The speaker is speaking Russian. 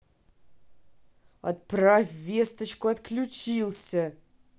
отправь весточку отключился